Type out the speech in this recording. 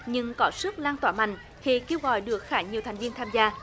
nhưng có sức lan tỏa mạnh khi kêu gọi được khá nhiều thành viên tham gia